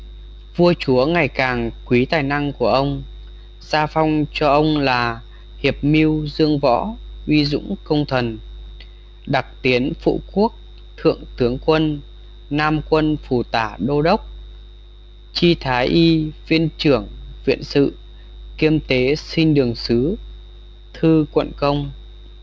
vua chúa càng ngày càng quý tài năng của ông gia phong cho ông là hiệp mưu dương võ uy dũng công thần đặc tiến phụ quốc thượng tướng quân nam quân phủ tả đô đốc tri thái y viên chưởng viện sự kiêm tế sinh đường sứ thư quận công